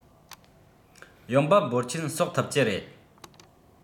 ཡོང འབབ འབོར ཆེན གསོག ཐུབ ཀྱི རེད